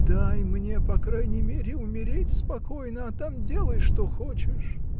Дай мне по крайней мере умереть спокойно, а там делай что хочешь.